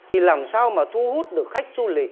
thì làm sao mà thu hút được khách du lịch